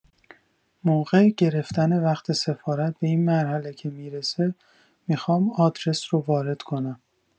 موقع گرفتن وقت سفارت به این مرحله که می‌رسه میخوام ادرس رو وارد کنم